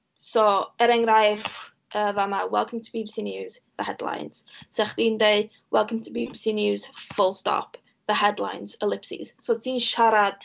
So er enghraifft, yy, fa'ma welcome to BBC News, the headlines. 'Sa chdi'n deud welcome to BBC News, full stop, the headlines, ellipses. So ti'n siarad.